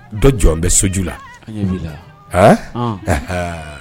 Dɔ jɔn bɛ soju la